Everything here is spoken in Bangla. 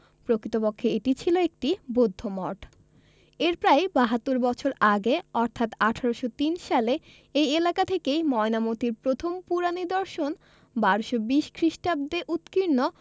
প্রকৃতপক্ষে এটি ছিল একটি বৌদ্ধ মঠ এর প্রায় ৭২ বছর আগে অর্থাৎ ১৮০৩ সালে এই এলাকা থেকেই ময়নামতীর প্রথম পুরানিদর্শন ১২২০ খ্রিস্টাব্দে উৎকীর্ণ